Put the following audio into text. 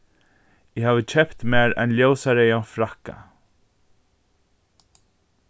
eg havi keypt mær ein ljósareyðan frakka